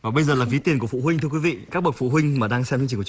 và bây giờ là ví tiền của phụ huynh thưa quý vị các bậc phụ huynh mà đang xem chương